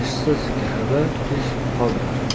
ishsiz kehb ish qoldirar